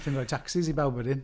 Allen ni roi tacsis i bawb wedyn.